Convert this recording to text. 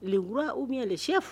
Kura u bɛli si